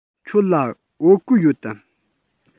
ཁྱོད ལ བོད གོས ཡོད དམ